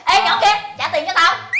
ê nhỏ kia trả tiền cho tao